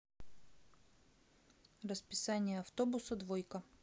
расписание автобуса двойка